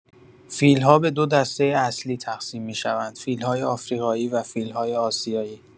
فیل‌ها به دو دسته اصلی تقسیم می‌شوند: فیل‌های آفریقایی و فیل‌های آسیایی.